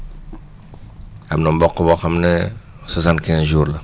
am na mboq boo xam ne soixante quinze jours la